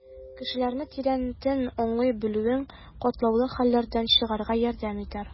Кешеләрне тирәнтен аңлый белүең катлаулы хәлләрдән чыгарга ярдәм итәр.